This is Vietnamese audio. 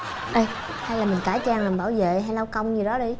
ê hay mình cải trang làm bảo vệ hay lao công gì đó đi